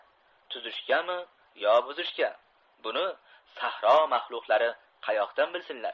tuzishgami yo buzishga buni sahro mahluqlari qayoqdan bilsinlar